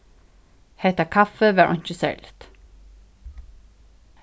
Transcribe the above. hetta kaffið var einki serligt